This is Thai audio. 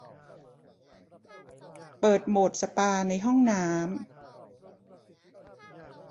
เปิดโหมดสปาในห้องน้ำ